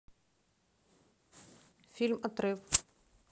фильм отрыв